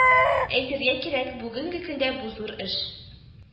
Әйтергә кирәк, бүгенге көндә бу зур эш